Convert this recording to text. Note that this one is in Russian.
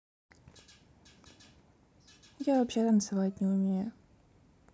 я вообще танцевать не умею